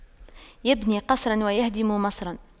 يبني قصراً ويهدم مصراً